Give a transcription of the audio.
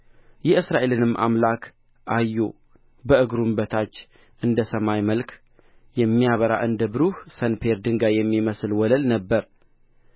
የእስራኤልንም አምላክ አዩ ከእግሩም በታች እንደ ሰማይ መልክ የሚያበራ እንደ ብሩህ ሰንፔር ድንጋይ የሚመስል ወለል ነበረ